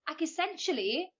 ac *essentially